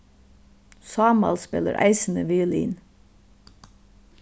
sámal spælir eisini violin